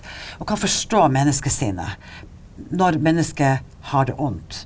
og kan forstå menneskesinnet når mennesket har det ondt.